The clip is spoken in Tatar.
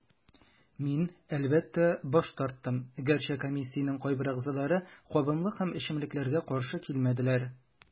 Мин, әлбәттә, баш тарттым, гәрчә комиссиянең кайбер әгъзаләре кабымлык һәм эчемлекләргә каршы килмәделәр.